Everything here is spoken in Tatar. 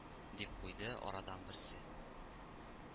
— дип куйды арадан берсе